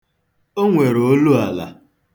O nwere oluala.